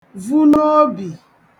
vu n'obì